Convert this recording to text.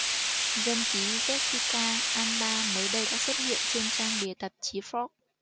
dân trí jessica alba mới đây đã xuất hiện trên trang bìa tạp chí forbes